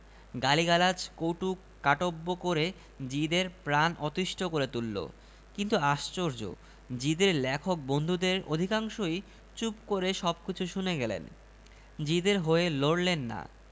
গালিগালাজ কটুকাটব্য করে জিদের প্রাণ অতিষ্ঠ করে তুলল কিন্তু আশ্চর্য জিদে র লেখক বন্ধুদের অধিকাংশই চুপ করে সবকিছু শুনে গেলেন জিদের হয়ে লড়লেন না